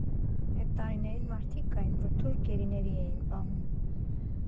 Էդ տարիներին մարդիկ կային, որ թուրք գերիների էին պահում։